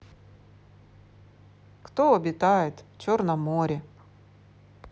кто обитает в черном море